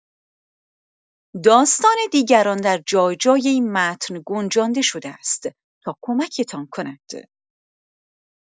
داستان دیگران در جای‌جای این متن گنجانده شده است تا کمکتان کند.